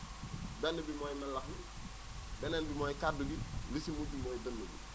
benn bi mooy melax yi beneen bi mooy kaddu yi bi si des mooy dënnu yi